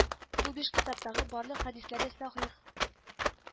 Бу биш китаптагы барлык хәдисләр дә сахих